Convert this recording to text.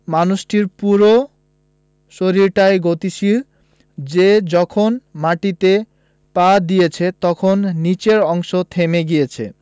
মানুষটির পুরো শরীরটাই গতিশীল সে যখন মাটিতে পা দিয়েছে তখন নিচের অংশ থেমে গিয়েছে